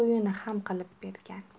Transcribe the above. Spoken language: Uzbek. to'yini ham qilib bergan